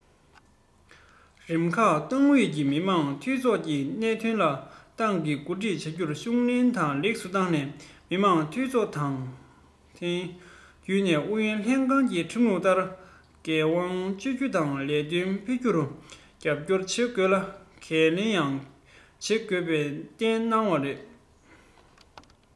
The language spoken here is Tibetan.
རིམ ཁག ཏང ཨུད ཀྱིས མི དམངས འཐུས ཚོགས ཀྱི ལས དོན ལ ཏང གིས འགོ ཁྲིད བྱ རྒྱུར ཤུགས སྣོན དང ལེགས སུ བཏང ནས མི དམངས འཐུས ཚོགས དང དེའི རྒྱུན ལས ཨུ ཡོན ལྷན ཁང གིས ཁྲིམས ལུགས ལྟར འགན དབང སྤྱོད རྒྱུ དང ལས དོན སྤེལ རྒྱུར རྒྱབ སྐྱོར བྱེད དགོས ལ འགན ལེན ཡང བྱེད དགོས ཞེས བསྟན གནང བ རེད